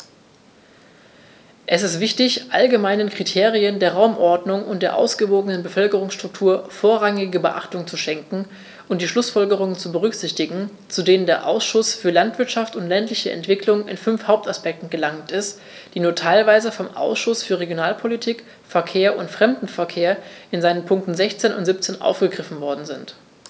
Es ist wichtig, allgemeinen Kriterien der Raumordnung und der ausgewogenen Bevölkerungsstruktur vorrangige Beachtung zu schenken und die Schlußfolgerungen zu berücksichtigen, zu denen der Ausschuss für Landwirtschaft und ländliche Entwicklung in fünf Hauptaspekten gelangt ist, die nur teilweise vom Ausschuss für Regionalpolitik, Verkehr und Fremdenverkehr in seinen Punkten 16 und 17 aufgegriffen worden sind.